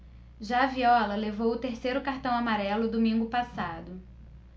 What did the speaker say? já viola levou o terceiro cartão amarelo domingo passado